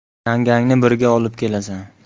yangangni birga olib kelasan